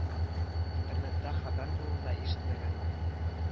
Интернетта хәбәр булуны да ишетмәгән ул